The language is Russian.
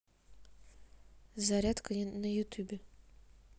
зарядка на ютубе